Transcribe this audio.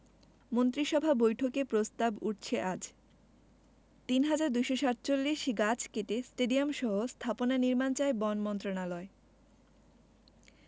মন্ত্রিসভা বৈঠকে প্রস্তাব উঠছে আজ ৩২৪৭ গাছ কেটে স্টেডিয়ামসহ স্থাপনা নির্মাণ চায় বন মন্ত্রণালয়